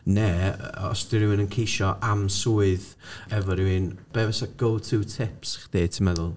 neu yy os 'di rhywun yn ceisio am swydd efo rywun. Be fysa go to tips chdi ti'n meddwl?